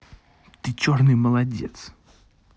ты черный молодец